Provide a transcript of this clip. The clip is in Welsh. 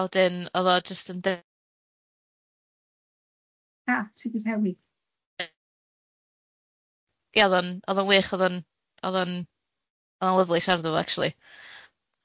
A wedyn o'dd o jyst yn de-... Ah, ti di rhewi... Ia o'dd o'n o'dd o'n wych, o'dd o'n o'dd o'n o'dd o'n lyfli sharad efo fo acshyli.